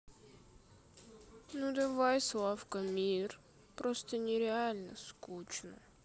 ну давай славка мир просто нереально скучно